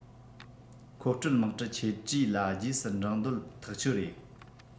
མཁོ སྤྲོད དམག གྲུ ཆེ གྲས ལ རྗེས སུ འབྲངས འདོད ཐག ཆོད རེད